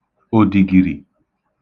òdìgìrì